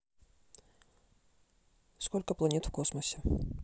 сколько планет в космосе